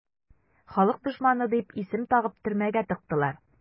"халык дошманы" дип исем тагып төрмәгә тыктылар.